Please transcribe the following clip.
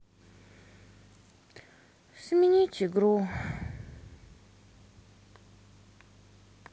сменить игру